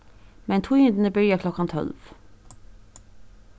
men tíðindini byrja klokkan tólv